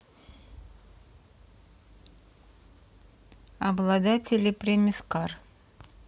обладатели премискар